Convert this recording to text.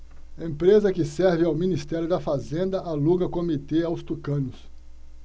empresa que serve ao ministério da fazenda aluga comitê aos tucanos